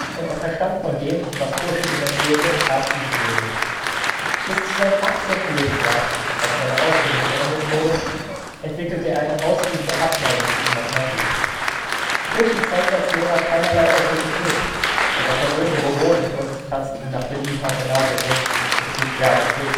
und er verstand von dem, was Cauchy ihm erzählte, herzlich wenig. Bis zu seinem 18. Lebensjahr, als seine Ausbildung beendet wurde, entwickelte er eine ausgiebige Abneigung gegen Mathematik. Cauchy zeigte als Lehrer keinerlei Autorität, und der verwöhnte Bourbonenprinz tanzte ihm nach Belieben auf der Nase rum und trieb derbe Späße